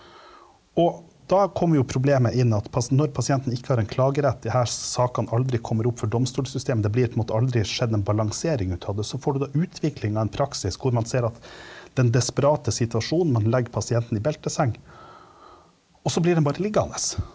og da kommer jo problemet inn at når pasienten ikke har en klagerett, de her sakene aldri kommer opp for domstolssystemet, det blir på en måte aldri skjedd en balansering ut av det, så får du da utvikling av en praksis hvor man ser at det er en desperate situasjon, man legger pasienten i belteseng, og så blir den bare liggende.